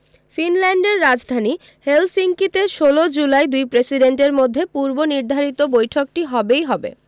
ফিনল্যান্ডের রাজধানী হেলসিঙ্কিতে ১৬ জুলাই দুই প্রেসিডেন্টের মধ্যে পূর্বনির্ধারিত বৈঠকটি হবেই হবে